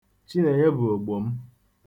Chinenye bụ ogbo m.